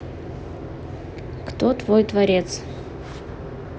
кто твой творец